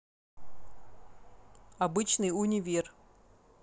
обычный универ